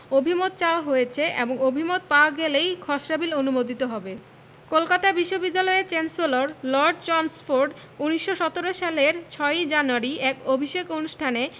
অভিমত চাওয়া হয়েছে এবং অভিমত পাওয়া গেলেই খসড়া বিল অনুমোদিত হবে কলকাতা বিশ্ববিদ্যালয়ের চ্যান্সেলর লর্ড চমস্ফোর্ড ১৯১৭ সালের ৬ জানুয়ারি এক অভিষেক অনুষ্ঠানে